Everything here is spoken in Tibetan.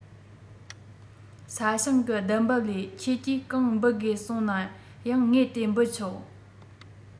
ས ཞིང གི བསྡུ འབབ ལས ཁྱེད ཀྱིས གང འབུལ དགོས གསུངས ན ཡང ངས དེ འབུལ ཆོག